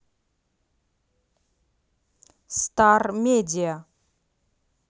стар медиа